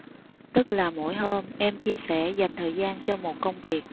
tức là mỗi hôm em chia sẻ dành thời gian cho một công việc